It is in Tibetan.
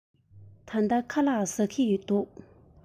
ད ལྟ ཁ ལག ཟ གི འདུག